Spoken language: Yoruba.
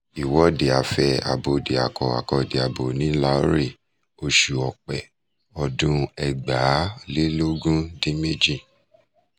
Ìwọ́de Afẹ́ Abódiakọ-akọ́diabo ní Lahore, oṣù Ọ̀pẹ, ọdún 2018.